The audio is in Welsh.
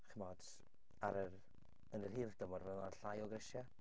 Chimod ar yr... yn yr hir dymor fydd o'n llai o grisiau.